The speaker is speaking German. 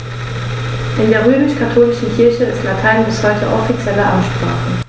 In der römisch-katholischen Kirche ist Latein bis heute offizielle Amtssprache.